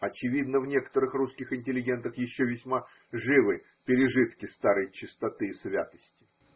Очевидно, в некоторых русских интеллигентах еще весьма живы пережитки старой чистоты и святости.